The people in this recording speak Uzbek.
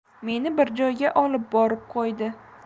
meni bir joyga olib borib qo'ydi